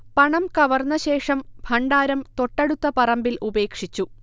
പണം കവർന്നശേഷം ഭണ്ഡാരം തൊട്ടടുത്ത പറമ്പിൽ ഉപേക്ഷിച്ചു